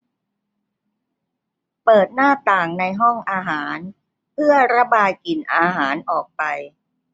เปิดหน้าต่างในห้องอาหารเพื่อระบายกลิ่นอาหารออกไป